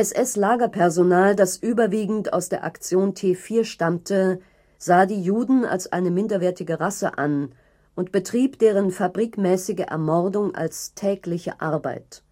Das SS-Lagerpersonal, das überwiegend aus der Aktion T4 stammte, sah die Juden als eine minderwertige Rasse an und betrieb deren „ fabrikmäßige “Ermordung „ als tägliche Arbeit